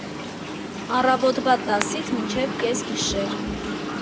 Առավոտվա տասից մինչև կեսգիշեր։